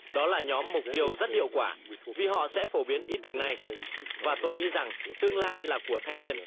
đó là nhóm mục tiêu rất hiệu quả vì họ sẽ phổ biến ý tưởng này và tôi nghĩ rằng tương lai là của thanh niên